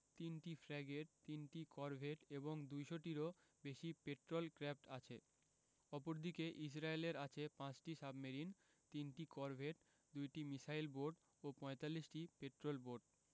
৩টি ফ্র্যাগেট ৩টি করভেট এবং ২০০ টিরও বেশি পেট্রল ক্র্যাফট আছে অপরদিকে ইসরায়েলের আছে ৫টি সাবমেরিন ৩টি করভেট ৮টি মিসাইল বোট ও ৪৫টি পেট্রল বোট